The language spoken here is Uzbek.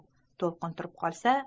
to'lqin turib qolsa